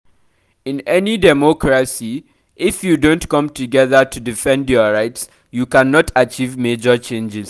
In any democracy, if you don’t come together to defend your rights, you cannot achieve major changes.